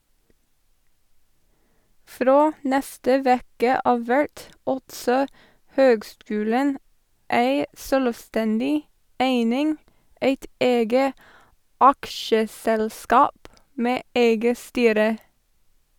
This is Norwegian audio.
Frå neste veke av vert altså høgskulen ei sjølvstendig eining, eit eige aksjeselskap med eige styre.